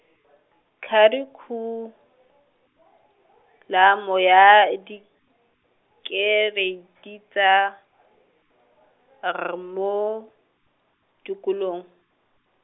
Kharikhulamo ya dikereiti tsa R mo dikolong.